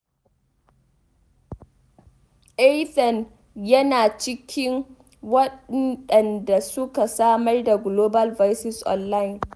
Ethan yana cikin waɗanda suka samar da Global Voices Online.